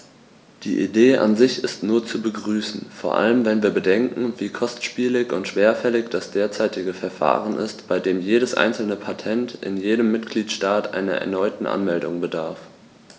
Die Idee an sich ist nur zu begrüßen, vor allem wenn wir bedenken, wie kostspielig und schwerfällig das derzeitige Verfahren ist, bei dem jedes einzelne Patent in jedem Mitgliedstaat einer erneuten Anmeldung bedarf.